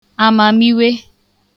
àmàmiwe